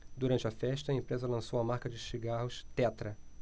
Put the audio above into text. durante a festa a empresa lançou a marca de cigarros tetra